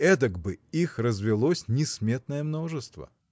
Этак бы их развелось несметное множество.